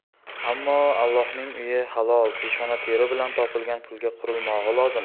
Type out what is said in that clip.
ammo allohning uyi halol peshona teri bilan topilgan pulga qurilmog'i lozim